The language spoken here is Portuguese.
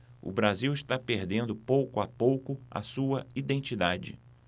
o brasil está perdendo pouco a pouco a sua identidade